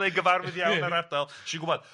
...neu gyfarwydd iawn â'r ardal gwbod.